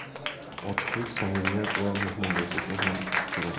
ochiqlik samimiyat va mehmondo'stlikni ham ko'rasiz